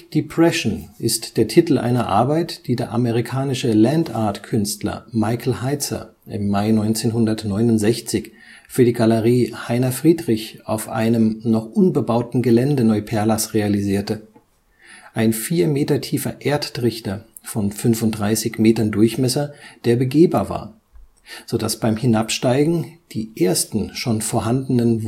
Depression ist der Titel einer Arbeit, die der amerikanische Land-Art-Künstler Michael Heizer im Mai 1969 für die Galerie Heiner Friedrich auf einem noch unbebauten Gelände Neuperlachs realisierte: ein vier Meter tiefer Erdtrichter von fünfunddreißig Metern Durchmesser, der begehbar war, sodass beim Hinabsteigen die ersten schon vorhandenen